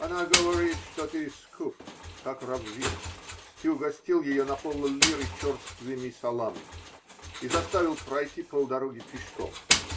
-- Она говорит, что ты скуп, как раввин, -- ты угостил ее на поллиры черствым салами и заставил пройти полдороги пешком.